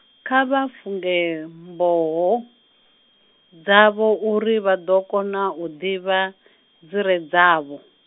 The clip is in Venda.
kha vha funge mboho, dzavho uri vha ḓo kona u ḓivha, dzire dzavho.